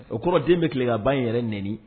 O kɔrɔ den bɛ tilen ka ba in yɛrɛ neni